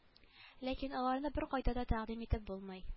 Ләкин аларны беркайда да тәкъдим итеп булмый